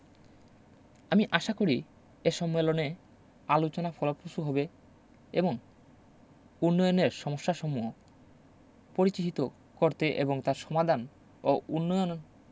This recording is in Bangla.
আমি আশা করি এ সম্মেলনে আলোচনা ফলপ্রসূ হবে এবং উন্নয়নের সমস্যাসমূহ পরিচিহিত করতে এবং তার সমাধান ও উন্নয়ন